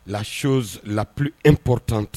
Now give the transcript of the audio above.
Laho lap e prtante